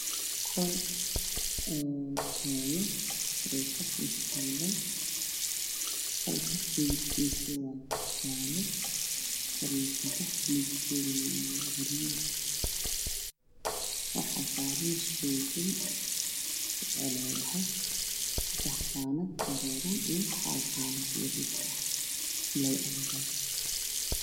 Waa qol waxaa yaalo sariir. Qol midabkiisu waa jaale sariirtu waa garee. Waxaa saaran shoobin waxay leedahay seddex qaanad oo waaweyn iyo hal daaqad oo yariis ah.